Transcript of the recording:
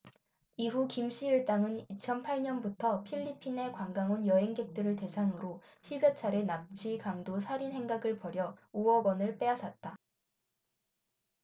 이후 김씨 일당은 이천 팔 년부터 필리핀에 관광온 여행객들을 대상으로 십 여 차례 납치 강도 살인 행각을 벌여 오 억원을 빼앗았다